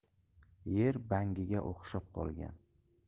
yer bangiga o'xshab qolgan